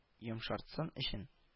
Йомшартсын өчен